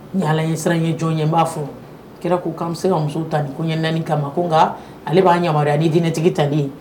Ni ye allah ɲɛ siran ɲɛ jɔn ye, n b'a fɔ kira ko k'a bɛ se ka muso ta ni koɲɛ 4 kama ko nka alaah b'an yamaruya ni diinɛtigi tali ye.